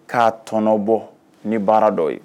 K'a tɔnɔbɔ, ni baara dɔ ye